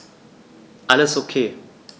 Alles OK.